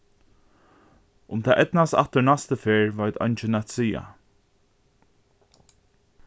um tað eydnast aftur næstu ferð veit eingin at siga